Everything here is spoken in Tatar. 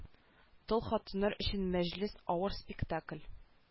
Тол хатыннар өчен мәҗлес авыр спектакль